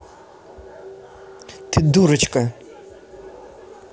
ты дурочка